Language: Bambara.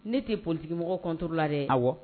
Ne tɛ politigimɔgɔ contre_ ' la dɛ, a wa.